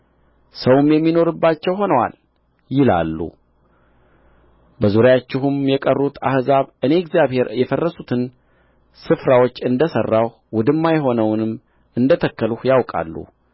ሰውም የሚኖርባቸው ሆነዋል ይላሉ በዙሪያችሁም የቀሩት አሕዛብ እኔ እግዚአብሔር የፈረሱትን ስፍራዎች እንደ ሠራሁ ውድማ የሆነውንም እንደ ተከልሁ ያውቃሉ